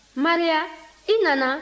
maria i nana